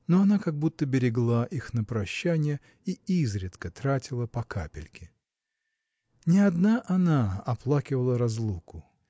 но она как будто берегла их на прощанье и изредка тратила по капельке. Не одна она оплакивала разлуку